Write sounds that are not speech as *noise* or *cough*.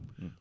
*hesitation* *hesitation*